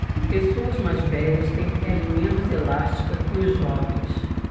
pessoas mais velhas têm pele menos elástica que os jovens